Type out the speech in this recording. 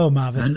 O, Marvin!